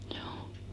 juu